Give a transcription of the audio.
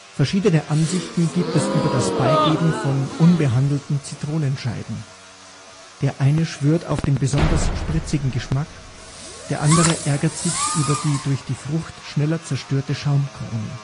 Verschiedene Ansichten gibt es über das Beigeben von (unbehandelten) Zitronenscheiben – der eine schwört auf den besonders spritzigen Geschmack, der andere ärgert sich über die durch die Frucht schneller zerstörte Schaumkrone